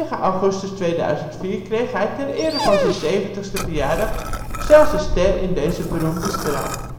augustus 2004 kreeg hij, ter ere van zijn zeventigste verjaardag, zelfs een ster in deze beroemde straat